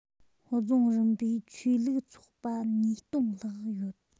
རྫོང རིམ པའི ཆོས ལུགས ཚོགས པ ཉིས སྟོང ལྷག ཡོད